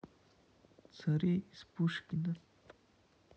цари из пушкина